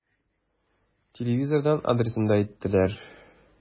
Телевизордан адресын да әйттеләр.